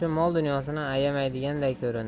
mol dunyosini ayamaydiganday ko'rindi